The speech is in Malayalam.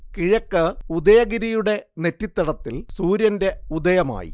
കിഴക്ക് ഉദയഗിരിയുടെ നെറ്റിത്തടത്തിൽ സൂര്യന്റെ ഉദയമായി